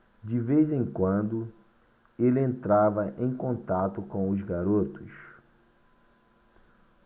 de vez em quando ele entrava em contato com os garotos